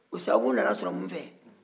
o sababu nana sɔrɔ mun fɛ